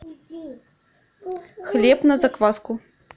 хлеб на закваску